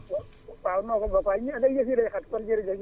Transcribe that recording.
wa waaw ñoo ko bokk waa ñi comme yëf yi day xat kon jërëjëf